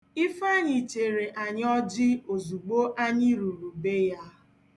Ifeanyị chere anyị ọjị ozugbo anyị ruru be ya.